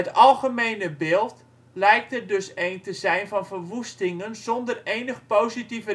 algemene beeld lijkt er dus een te zijn van verwoestingen zonder enig positief